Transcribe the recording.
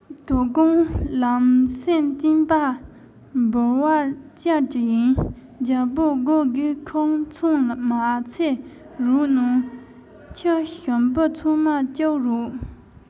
དོ དགོང ལམ སེང སྐྱིན པ འབུལ བར བཅར གྱི ཡིན རྒྱལ པོས སྒོ སྒེའུ ཁུང ཚང མ ཕྱེ རོགས གནང ཁྱི ཞུམ བུ ཚང མ བཅུག རོགས